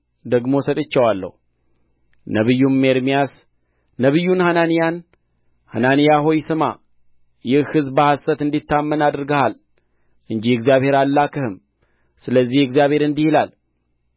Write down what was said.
ደግሞ ሰጥቼዋለሁ ነቢዩም ኤርምያስ ነቢዩን ሐናንያን ሐናንያ ሆይ ስማ ይህ ሕዝብ በሐሰት እንዲታመን አድርገሃል እንጂ እግዚአብሔር አልላከህም ስለዚህ እግዚአብሔር እንዲህ ይላል